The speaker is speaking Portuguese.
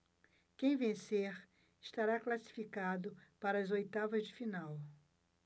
quem vencer estará classificado para as oitavas de final